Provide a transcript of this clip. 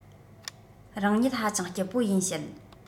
རང ཉིད ཧ ཅང སྐྱིད པོ ཡིན བཤད